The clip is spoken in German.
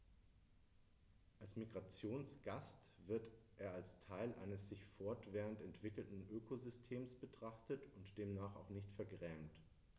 Als Migrationsgast wird er als Teil eines sich fortwährend entwickelnden Ökosystems betrachtet und demnach auch nicht vergrämt.